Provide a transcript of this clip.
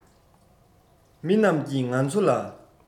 མི རྣམས ཀྱིས ང ཚོ ལ